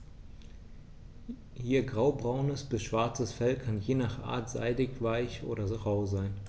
Ihr graubraunes bis schwarzes Fell kann je nach Art seidig-weich oder rau sein.